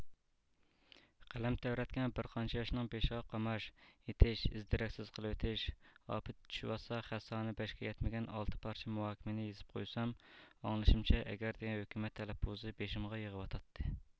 قەلەم تەۋرەتكەن بىرقانچە ياشنىڭ بېشىغا قاماش ئېتىش ئىز دېرەكسىز قىلىۋېتىش ئاپىتى چۈشۈۋاتسا خەت سانى بەشكە يەتمىگەن ئالتە پارچە مۇھاكىمىنى يېزىپ قويسام ئاڭلىشىمچە ئەگەردېگەن ھۆكۈمەت تەلەپپۇزى بېشىمغا يېغىۋاتاتتى